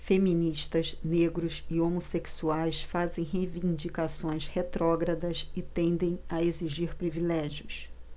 feministas negros e homossexuais fazem reivindicações retrógradas e tendem a exigir privilégios